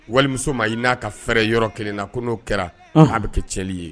Walimamuso ma i n'a ka fɛɛrɛ yɔrɔ 1na ko n'o kɛra ko a bɛ kɛ tiyɛnli ye